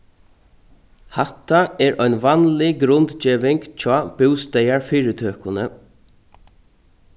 hatta er ein vanlig grundgeving hjá bústaðarfyritøkuni